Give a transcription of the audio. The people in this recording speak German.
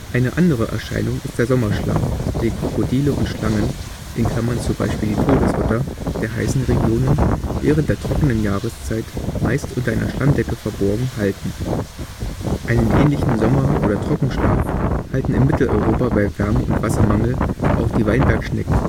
Eine andere Erscheinung ist der Sommerschlaf, den Krokodile und Schlangen (z. B. die Todesotter) der heißen Regionen während der trockenen Jahreszeit, meist unter einer Schlammdecke verborgen, halten. Einen ähnlichen Sommer - oder Trockenschlaf halten in Mitteleuropa bei Wärme und Wassermangel auch die Weinbergschnecken